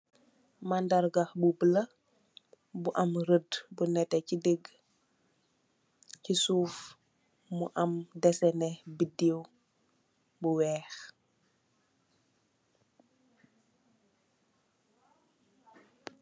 Darapo bu bulu bu rede bu nete ci dege si suff mo am desene bedew bu weex.